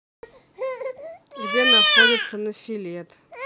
где находится нофелет